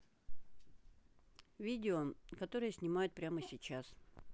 видео которое снимают прямо сейчас